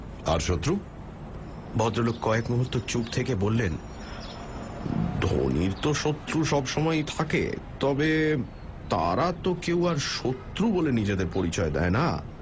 আর শত্রু ভদ্রলোক কয়েক মুহুর্ত চুপ থেকে বললেন ধনীর তো শত্রু সব সময়ই থাকে তবে তারা তো কেউ আর শত্রু বলে নিজেদের পরিচয় দেয় না